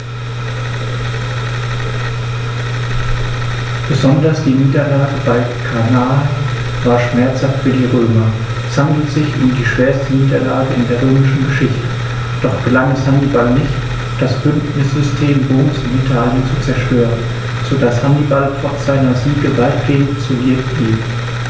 Besonders die Niederlage bei Cannae war schmerzhaft für die Römer: Es handelte sich um die schwerste Niederlage in der römischen Geschichte, doch gelang es Hannibal nicht, das Bündnissystem Roms in Italien zu zerstören, sodass Hannibal trotz seiner Siege weitgehend isoliert blieb.